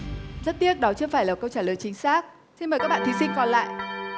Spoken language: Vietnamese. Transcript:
rất tiếc đó chưa phải là câu trả lời chính xác xin mời các bạn thí sinh còn lại